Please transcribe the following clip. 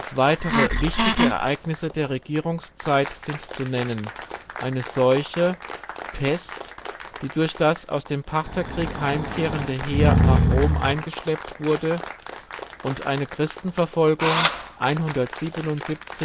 weitere wichtige Ereignisse der Regierungszeit sind zu nennen eine Seuche (" Pest "), die durch das aus dem Partherkrieg heimkehrende Heer nach Rom eingeschleppt wurde, und eine Christenverfolgung 177